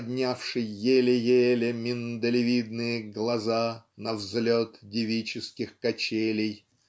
поднявший еле-еле Миндалевидные глаза На взлет девических качелей. .